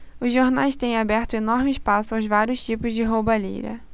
os jornais têm aberto enorme espaço aos vários tipos de roubalheira